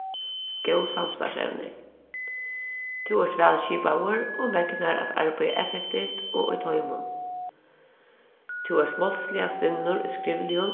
góð samstarvsevnir tú ert væl skipaður og megnar at arbeiða effektivt og í toymum tú ert málsliga stinnur í skrivligum